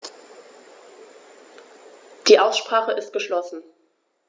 Die Aussprache ist geschlossen.